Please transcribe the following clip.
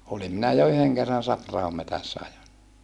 olin minä ja yhden kerran Sapra-ahon metsässä ajoin